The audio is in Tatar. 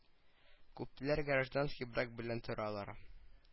Күпләр гражданский брак белән торалар